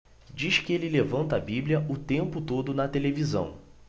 diz que ele levanta a bíblia o tempo todo na televisão